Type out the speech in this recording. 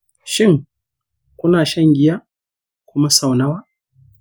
shin, kuna shan giya kuma sau nawa?